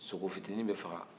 sogo fitini bɛ faga